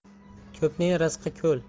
ko'pning rizqi ko'l